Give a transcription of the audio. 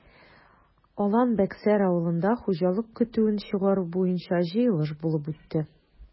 Алан-Бәксәр авылында хуҗалык көтүен чыгару буенча җыелыш булып үтте.